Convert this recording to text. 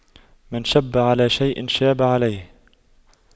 من شَبَّ على شيء شاب عليه